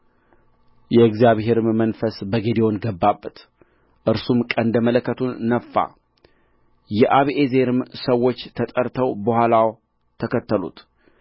የእግዚአብሔርም መንፈስ በጌዴዎን ገባበት እርሱም ቀንደ መለከቱን ነፋ የአቢዔዝርም ሰዎች ተጠርተው በኋላው ተከተሉት